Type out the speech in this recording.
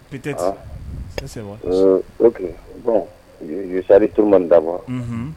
Osaritoma dafafa